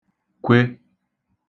kwe